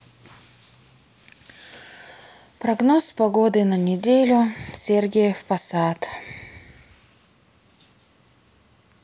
прогноз погоды на неделю сергиев посад